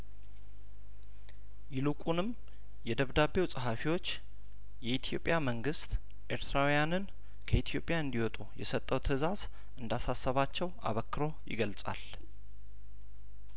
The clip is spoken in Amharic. ይልቁንም የደብዳቤው ጸሀፊዎች የኢትዮጵያ መንግስት ኤርትራውያንን ከኢትዮጵያ እንዲወጡ የሰጠው ትእዛዝ እንዳሳሰባቸው አበክሮ ይገልጻል